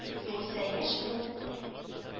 Югыйсә, яшь буын